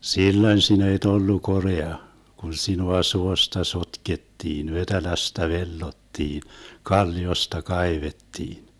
silloin sinä et ollut korea kun sinua suosta sotkettiin vetelästä vellottiin kalliosta kaivettiin